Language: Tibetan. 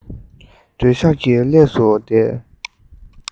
སྡོད ཤག གི ལྷས སུ བསྡད